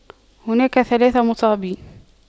هناك ثلاث مصابين